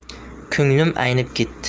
ko'nglim aynib ketdi